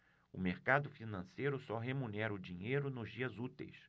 o mercado financeiro só remunera o dinheiro nos dias úteis